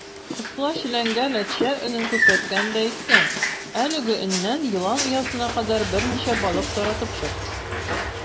Кысла челәнгә ләтчә өнен күрсәткән дә әйткән: "Әлеге өннән елан оясына кадәр берничә балык таратып чык".